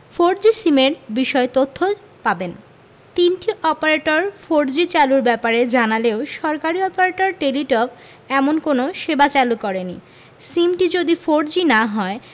four G সিমের বিষয়ে তথ্য পাবেন তিনটি অপারেটর ফোরজি চালুর ব্যাপারে জানালেও সরকারি অপারেটর টেলিটক এমন কোনো সেবা চালু করেনি সিমটি যদি ফোরজি না হয়